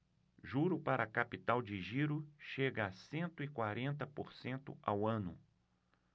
juro para capital de giro chega a cento e quarenta por cento ao ano